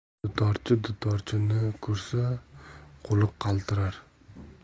dutorchi dutorchini ko'rsa qo'li qaltirar